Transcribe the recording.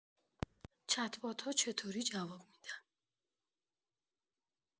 چت‌بات‌ها چطوری جواب می‌دن؟